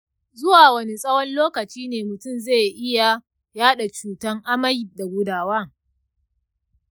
zuwa wane tsawon lokaci mutum zai iya yada cutar amai da gudawa?